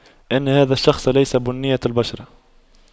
ان هذا الشخص ليس بنية البشر